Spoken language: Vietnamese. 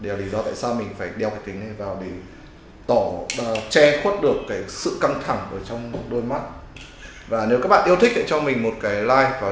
đây là lí do sao mình phải đeo cái kính này vào để tỏ ơ che khuất được cái sự căng thẳng ở trong một đôi mắt và nếu các bạn yêu thích cho mình cái like